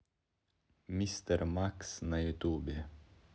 мистер макс на ютубе